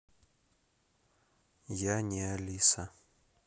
я не алиса